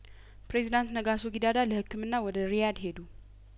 ፕሬዝዳንት ነጋሶ ጊዳዳ ለህክምና ወደ ሪያድ ሄዱ